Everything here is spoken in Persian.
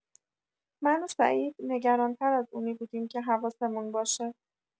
من و سعید نگران‌تر از اونی بودیم که حواسمون باشه.